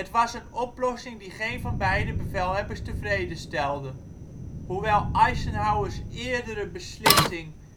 was een oplossing die geen van beide bevelhebbers tevreden stelde. Hoewel Eisenhowers eerdere beslissing